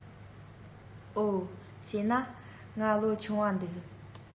འོ བྱས ན ང ལོ ཆུང བ འདུག